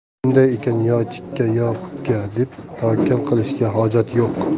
shunday ekan yo chikka yo pukka deb tavakkal qilishga hojat yo'q